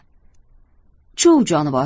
chuh jonivor